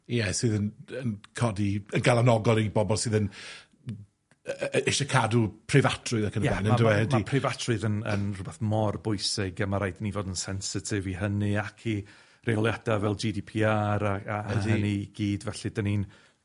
Ie, sydd yn yn codi yn galanogol i bobol sydd yn n- yy yy isie cadw preifatrwydd ac yn y blaen yndyw e ydi? Ie, ma' ma' ma' preifatrwydd yn yn rhwbath mor bwysig a ma' raid i ni fod yn sensitif i hynny ac i reoliadau fel Gee Dee Pee Are a a hynny i gyd, felly 'dan ni'n